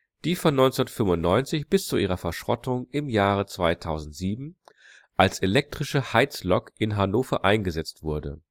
die von 1995 bis zu ihrer Verschrottung im Jahr 2007 als elektrische Heizlok in Hannover eingesetzt wurde